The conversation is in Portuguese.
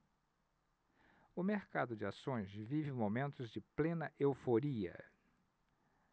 o mercado de ações vive momentos de plena euforia